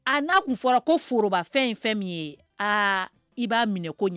A n'a tun fɔra ko foroorobafɛn ye fɛn min ye aa i b'a minɛ ko ɲɛ